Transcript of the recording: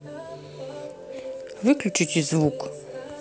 выключите звук